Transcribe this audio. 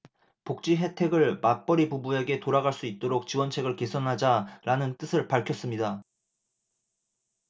복지혜택을 맞벌이 부부에게 돌아갈 수 있도록 지원책을 개선하자 라는 뜻을 밝혔습니다